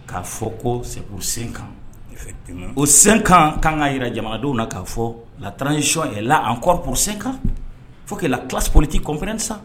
K'a fɔ ko c'est qu'au cing ans o cing ans, effecivement ka kan ka jira jamanadenw na k'a fɔ l la transition est la pour cing ans encore, faut que la classe politique comprenne ça! i kɔn sa